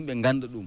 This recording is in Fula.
ɗum ɓe ngannda ɗum